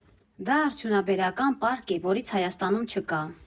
«Դա արդյունաբերական պարկ է, որից Հայաստանում չկա։